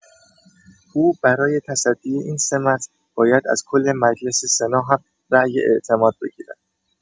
او برای تصدی این سمت باید از کل مجلس سنا هم رای اعتماد بگیرد.